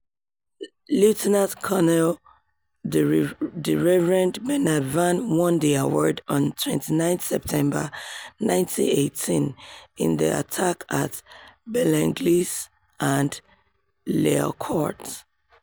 Lt Col The Reverend Bernard Vann won the award on 29 September 1918 in the attack at Bellenglise and Lehaucourt.